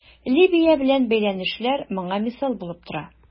Либия белән бәйләнешләр моңа мисал булып тора.